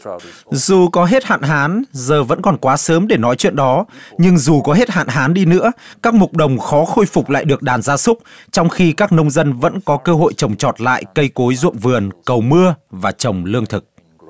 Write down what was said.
dù có hết hạn hán giờ vẫn còn quá sớm để nói chuyện đó nhưng dù có hết hạn hán đi nữa các mục đồng khó khôi phục lại được đàn gia súc trong khi các nông dân vẫn có cơ hội trồng trọt lại cây cối ruộng vườn cầu mưa và trồng lương thực